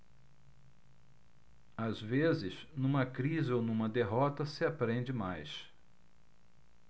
às vezes numa crise ou numa derrota se aprende mais